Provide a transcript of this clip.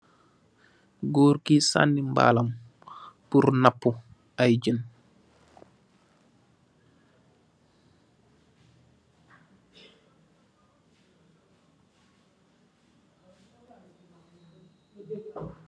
Góorgiy saani mbaalam pur napu ay jën.